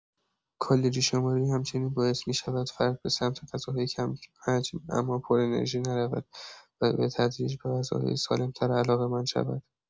کالری‌شماری همچنین باعث می‌شود فرد به سمت غذاهای کم‌حجم اما پرانرژی نرود و به‌تدریج به غذاهای سالم‌تر علاقه‌مند شود.